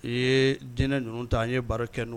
I ye dinɛ ninnu ta n ye baara kɛ